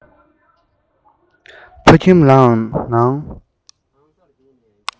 ཕ ཁྱིམ ལའང ནང